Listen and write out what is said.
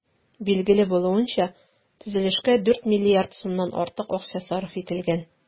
Билгеле булуынча, төзелешкә 4 миллиард сумнан артык акча сарыф ителгән.